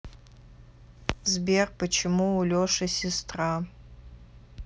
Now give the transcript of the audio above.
сбер почему у леши сестра